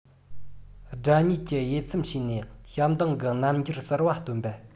དགྲ གཉེན གྱི དབྱེ མཚམས ཕྱེ ནས བྱམས སྡང གི རྣམ འགྱུར གསལ བར སྟོན པ